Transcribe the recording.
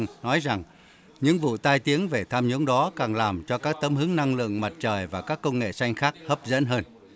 nói rằng những vụ tai tiếng về tham nhũng đó càng làm cho các tấm hứng năng lượng mặt trời và các công nghệ xanh khác hấp dẫn hơn